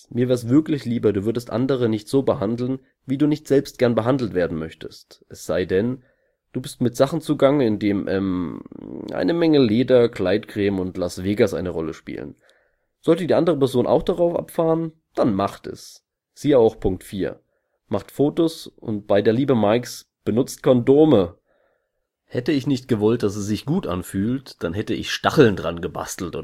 Mir wär’ s wirklich lieber, Du würdest andere nicht so behandeln, wie du nicht selbst gern behandelt werden möchtest, es sei denn, du bist mit Sachen zugange, in denen, ähm, eine Menge Leder, Gleitcreme und Las Vegas eine Rolle spielen. Sollte die andere Person auch darauf abfahren, dann macht es, siehe auch Punkt 4, macht Fotos und bei der Liebe Mikes, benutzt KONDOME! Hätte ich nicht gewollt, dass es sich gut anfühlt, dann hätte ich Stacheln oder so drangebastelt